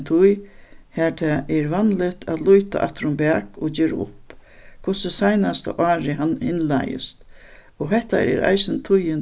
tíð har tað er vanligt at líta aftur um bak og gera upp hvussu seinasta árið hann og hetta er eisini tíðin